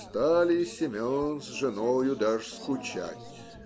Стали Семен с женою даже скучать.